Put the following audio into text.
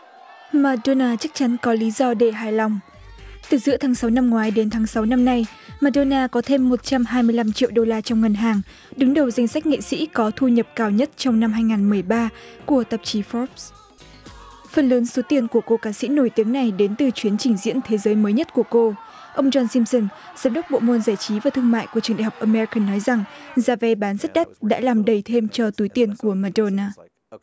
ma đô na chắc chắn có lý do để hài lòng từ giữa tháng sáu năm ngoái đến tháng sáu năm nay ma đô na có thêm một trăm hai mươi lăm triệu đô la trong ngân hàng đứng đầu danh sách nghệ sĩ có thu nhập cao nhất trong năm hai ngàn mười ba của tạp chí phóp phần lớn số tiền của cô ca sĩ nổi tiếng này đến từ chuyến trình diễn thế giới mới nhất của cô ông gion sim sừn giám đốc bộ môn giải trí và thương mại của trường đại học ơ me ri cừn nói rằng giá vé bán rất đắt đã làm đầy thêm cho túi tiền của ma đô na